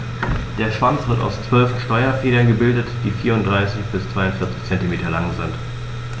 Der Schwanz wird aus 12 Steuerfedern gebildet, die 34 bis 42 cm lang sind.